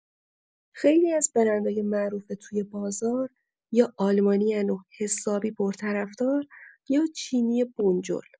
خیلی از برندهای معروف توی بازار، یا آلمانین و حسابی پرطرفدار یا چینی بنجل!